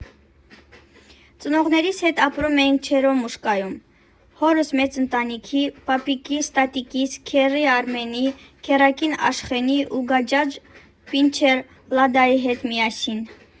Ծնողներիս հետ ապրում էինք Չերոմուշկայում՝ հորս մեծ ընտանիքի, պապիկիս, տատիկիս, քեռի Արմենի, քեռակին Աշխենի ու գաճաճ պինչեր Լադայի հետ միասին։